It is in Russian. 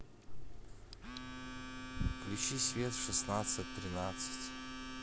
включи свет в шестнадцать тринадцать